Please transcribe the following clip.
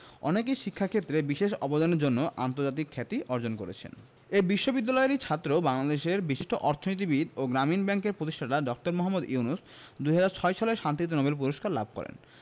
অনেকেই শিক্ষাক্ষেত্রে বিশেষ অবদানের জন্য আন্তর্জাতিক খ্যাতি অর্জন করেছেন এ বিশ্ববিদ্যালয়েরই ছাত্র বাংলাদেশের বিশিষ্ট অর্থনীতিবিদ ও গ্রামীণ ব্যাংকের প্রতিষ্ঠাতা ড. মোহাম্মদ ইউনুস ২০০৬ সালে শান্তিতে নোবেল পূরস্কার লাভ করেন